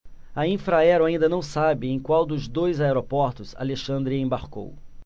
a infraero ainda não sabe em qual dos dois aeroportos alexandre embarcou